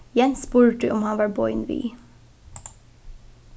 jens spurdi um hann var boðin við